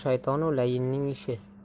shaytonu lainning ishi